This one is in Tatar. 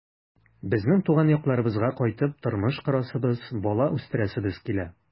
Безнең туган якларыбызга кайтып тормыш корасыбыз, бала үстерәсебез килә.